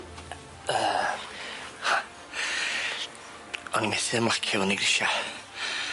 Yy, o'n i'n methu ymlacio fyny grisia.